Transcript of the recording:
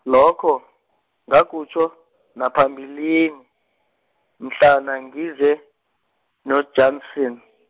lokho, ngakutjho, naphambilini, mhlana ngize noJanson.